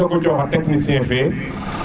soga coxa technicien fe